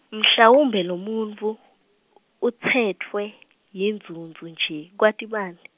mhlawumbe lomuntfu utsetfwe yinzuzu nje kwati bani?